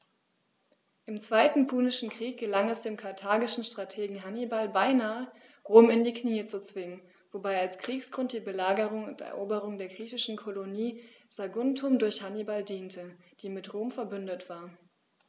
Im Zweiten Punischen Krieg gelang es dem karthagischen Strategen Hannibal beinahe, Rom in die Knie zu zwingen, wobei als Kriegsgrund die Belagerung und Eroberung der griechischen Kolonie Saguntum durch Hannibal diente, die mit Rom „verbündet“ war.